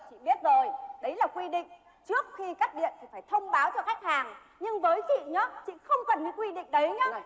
chị biết rồi đấy là quy định trước khi cắt điện thì phải thông báo cho khách hàng nhưng với chị nhớ chị không cần những quy định đấy nhớ